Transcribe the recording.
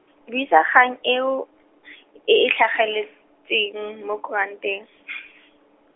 buisa kgang eo , e e tlhageletseng mo kuranteng .